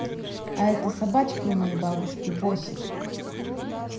а это собачка у моей бабушки боссик